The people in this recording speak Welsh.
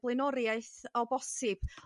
blaenoriaeth o bosib